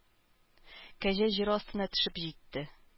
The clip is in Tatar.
Кәҗә җир астына төшеп җитте